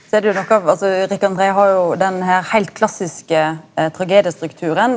det er det jo nok av altså Rikard den tredje har jo den her heilt klassiske tragediestrukturen.